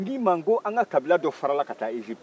n k'i ma ka kan kabila dɔ farala ka taa eziputi